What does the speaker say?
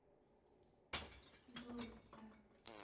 джой я